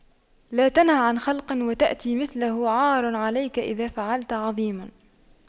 لا تنه عن خلق وتأتي مثله عار عليك إذا فعلت عظيم